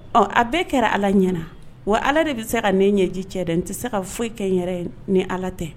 Ɔ a bɛɛ kɛra Ala ɲɛna wa Ala de be se ka ne ɲɛji cɛ dɛ n te se ka foyi kɛ n yɛrɛ ye ni Ala tɛ